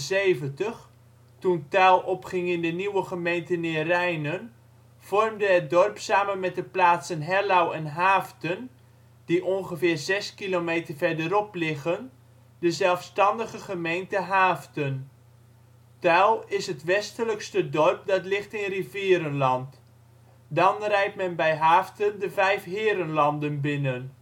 2005). Vóór 1978, toen Tuil opging in de nieuwe gemeente Neerijnen, vormde het dorp samen met de plaatsen Hellouw en Haaften die ongeveer 6 km verderop liggen de zelfstandige gemeente Haaften. Tuil is het westelijkste dorp dat ligt in Rivierenland. Dan rijdt men bij Haaften de Vijfheerenlanden binnen